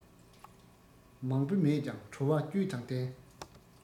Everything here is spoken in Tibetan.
མང པོ མེད ཀྱང བྲོ བ བཅུད དང ལྡན